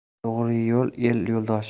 to'g'ri yo'l el yo'ldoshi